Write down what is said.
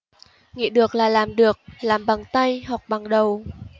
nghĩ được là làm được làm bằng tay học bằng đầu